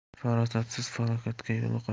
farosatsiz falokatga yo'liqar